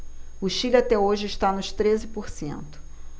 o chile até hoje está nos treze por cento